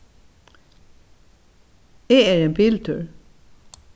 eg eri ein biltúr